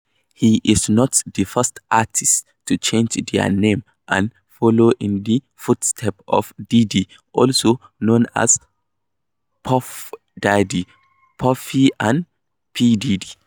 He is not the first artist to change their name and follows in the footsteps of Diddy, also known as Puff Daddy, Puffy and P Diddy.